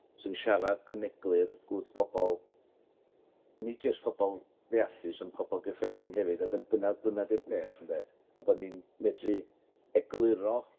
sy'n siarad yn eglur wrth bobol, nid jyst pobol ddeallus on' pobol gyffredin hefyd. A dyn- dyna dyna 'di'r peth ynde, a bo' ni'n medru egluro